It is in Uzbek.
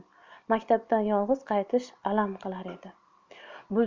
maktabdan yolg'iz qaytish alam qilar edi